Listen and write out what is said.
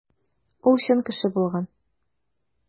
Ул чын кеше булган.